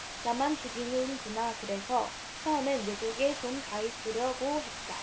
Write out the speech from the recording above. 나만 죽이는 구나 그래서 처음엔 외국에 좀 가있으려고 했다